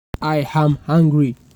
I am angry."